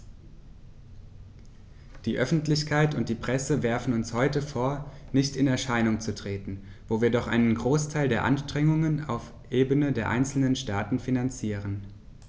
Die Öffentlichkeit und die Presse werfen uns heute vor, nicht in Erscheinung zu treten, wo wir doch einen Großteil der Anstrengungen auf Ebene der einzelnen Staaten finanzieren.